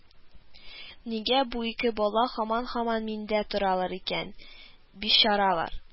Нигә бу ике бала һаман-һаман миндә торалар икән, бичаралар